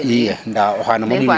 i nda o xana moƴu